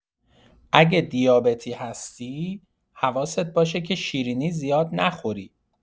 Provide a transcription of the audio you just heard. اگه دیابتی هستی، حواست باشه که شیرینی زیاد نخوری.